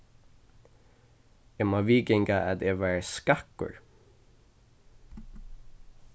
eg má viðganga at eg varð skakkur